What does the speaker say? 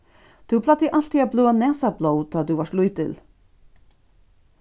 tú plagdi altíð at bløða nasablóð tá tú vart lítil